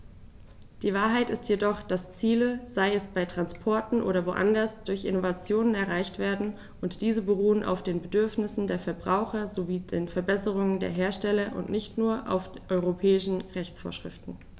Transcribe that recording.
Die Wahrheit ist jedoch, dass Ziele, sei es bei Transportern oder woanders, durch Innovationen erreicht werden, und diese beruhen auf den Bedürfnissen der Verbraucher sowie den Verbesserungen der Hersteller und nicht nur auf europäischen Rechtsvorschriften.